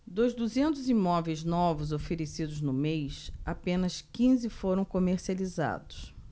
dos duzentos imóveis novos oferecidos no mês apenas quinze foram comercializados